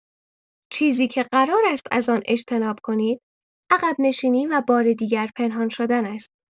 چیزی که قرار است از آن اجتناب کنید، عقب‌نشینی و بار دیگر پنهان‌شدن است.